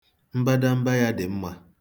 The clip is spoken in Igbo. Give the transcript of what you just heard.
Mbadamba ya dị mma.